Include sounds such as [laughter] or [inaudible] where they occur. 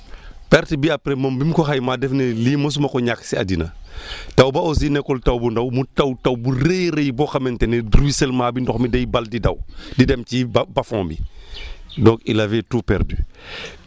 perte bi après moom bi mu ko xaymaa daf ne lii mosuma koo ñàkk si àddina [breath] taw ba aussi nekkul taw bu ndaw mu taw taw bu rëy a rëy boo xamante ne ruicellement bi ndox mi day ball di daw di dem ci bas fond bi [breath] donc il avait tout perdu [breath]